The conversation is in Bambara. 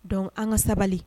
Dɔn an ka sabali